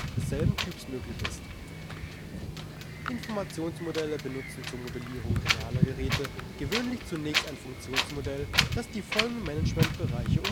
desselben Typs möglich ist. Informationsmodelle benutzen zur Modellierung realer Geräte gewöhnlich zunächst ein Funktionsmodell, das die Managementbereiche